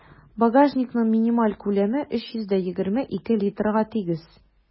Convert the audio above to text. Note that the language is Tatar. Багажникның минималь күләме 322 литрга тигез.